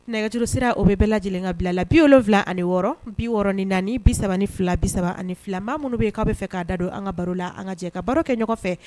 Nɛgɛjuru sira o bɛɛ bɛɛ lajɛlen bila la bi o wolonwula ani wɔɔrɔ bi wɔɔrɔ ni naani bi3 ani fila bi3 ani fila maa minnu bɛ k'a bɛ fɛ'a da don an ka baro la an ka jɛ ka baro kɛ ɲɔgɔn fɛ